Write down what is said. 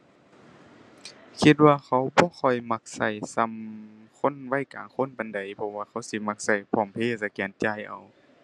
คิดว่าเขาบ่ค่อยมักใช้ส่ำคนวัยกลางคนปานใด เพราะว่าเขาสิมักใช้ PromptPay สแกนจ่ายเอา